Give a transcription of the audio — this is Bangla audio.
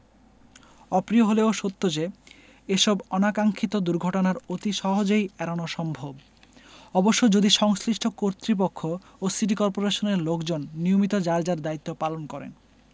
অপ্রিয় হলেও সত্ত্বেও যে এসব অনাকাক্সিক্ষত দুর্ঘটনার অতি সহজেই এড়ানো সম্ভব অবশ্য যদি সংশ্লিষ্ট কর্তৃপক্ষ ও সিটি কর্পোরেশনের লোকজন নিয়মিত যার যার দায়িত্ব পালন করেন